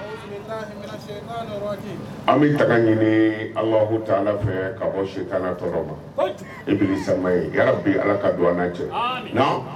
An bɛ taga ɲini ala ala fɛ ka bɔ si tɔɔrɔ ma sama bi ala ka don an' cɛ